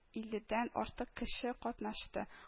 Илледән артык кеше катнашты